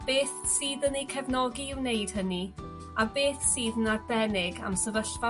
Beth sydd yn eu cefnogi i wneud hynny? A beth sydd yn arbennig am sefyllfa